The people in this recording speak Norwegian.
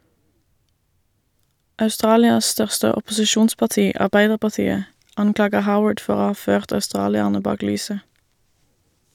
Australias største opposisjonsparti - Arbeiderpartiet - anklager Howard for å ha ført australierne bak lyset.